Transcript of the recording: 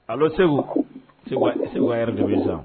Allô Seku